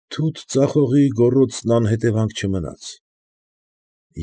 Թութ ծախողի գոռոցն անհետևանք չմնաց։